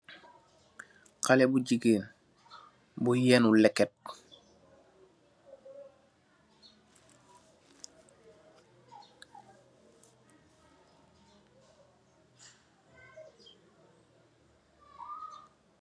Khaleh bu jigain, bu yenu leket.